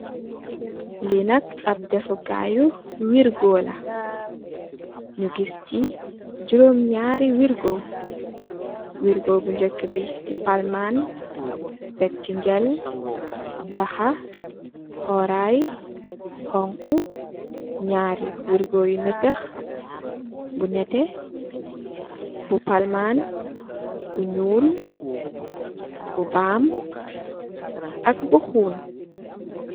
Lii nak am defu kaayu wergo lee, nyu gis si, jurom nyaari wergo, wergo bu njakk bi, di palman, tecci ngel, baxa, xuraay, xonxu, nyaari wergo yu netex, bu nete, bu palman, bu nyuul, bu baam, ak bu xuun